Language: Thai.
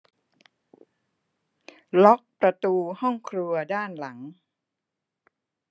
ล็อกประตูห้องครัวด้านหลัง